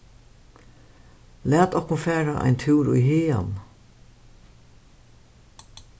lat okkum fara ein túr í hagan